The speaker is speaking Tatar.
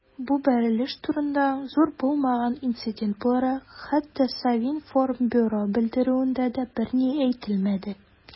Бу бәрелеш турында, зур булмаган инцидент буларак, хәтта Совинформбюро белдерүендә дә берни әйтелмәде.